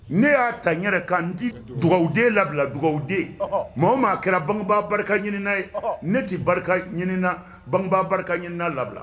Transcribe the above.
Ne ya ta n yɛrɛ kan, n ti dugawuden labila dugawuden . Maa o maa kɛra bangeba barika ɲininna ye ne ti barika ɲininna bangeba barika ɲininna labial.